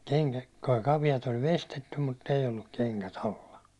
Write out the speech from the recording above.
- kenkäkaviot oli veistetty mutta ei ollut kengät alla